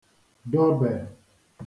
dọbè